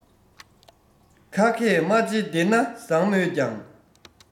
ཁ མཁས སྨྲ ལྕེ བདེ ན བཟང མོད ཀྱང